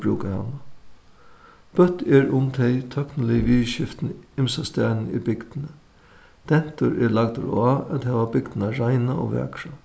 brúka hana bøtt er um tey tøkniligu viðurskiftini ymsastaðni í bygdini dentur er lagdur á at hava bygdina reina og vakra